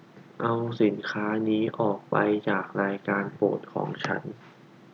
เอาสินค้านี้ออกไปจากรายการโปรดของฉัน